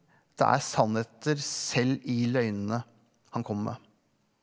det er sannheter selv i løgnene han kommer med.